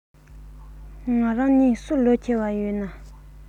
ང རང གཉིས སུ ལོ ཆེ བ ཡོད ན